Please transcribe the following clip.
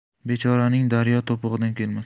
bechoraning daryo to'pig'idan kelmas